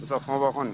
Nsa fanfan kɔnɔ